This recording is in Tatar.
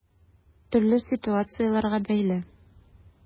Төрле ситуацияләргә бәйле.